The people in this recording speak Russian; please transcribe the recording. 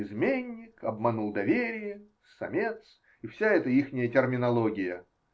Изменник, обманул доверие, самец, и вся эта ихняя терминология.